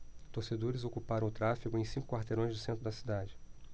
torcedores ocuparam o tráfego em cinco quarteirões do centro da cidade